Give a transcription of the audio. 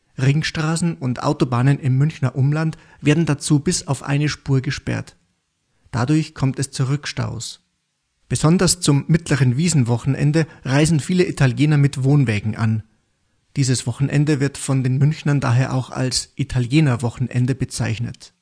Ringstraßen und Autobahnen im Münchner Umland werden dazu bis auf eine Spur gesperrt. Dadurch kommt es zu Rückstaus. Besonders zum mittleren Wiesn-Wochenende reisen viele Italiener mit Wohnwägen an (dieses Wochenende wird von den Münchnern daher auch als „ Italiener-Wochenende “bezeichnet